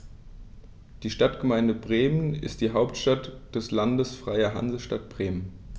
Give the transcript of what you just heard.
Die Stadtgemeinde Bremen ist die Hauptstadt des Landes Freie Hansestadt Bremen.